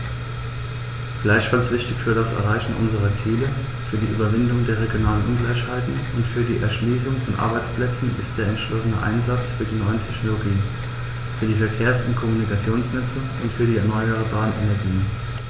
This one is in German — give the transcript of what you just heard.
Gleichfalls wichtig für das Erreichen unserer Ziele, für die Überwindung der regionalen Ungleichheiten und für die Erschließung von Arbeitsplätzen ist der entschlossene Einsatz für die neuen Technologien, für die Verkehrs- und Kommunikationsnetze und für die erneuerbaren Energien.